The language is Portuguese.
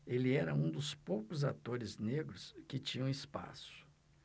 ele era um dos poucos atores negros que tinham espaço